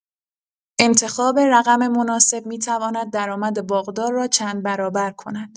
انتخاب رقم مناسب می‌تواند درآمد باغدار را چندبرابر کند.